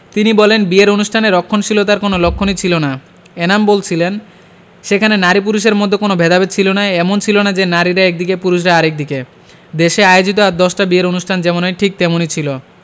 তিনি বলেন বিয়ের অনুষ্ঠানে রক্ষণশীলতার কোনো লক্ষণই ছিল না এনাম বলছিলেন সেখানে নারী পুরুষের মধ্যে কোনো ভেদাভেদ ছিল না এমন ছিল না যে নারীরা একদিকে পুরুষেরা আরেক দিকে দেশে আয়োজিত আর দশটা বিয়ের অনুষ্ঠান যেমন হয় ঠিক তেমনি ছিল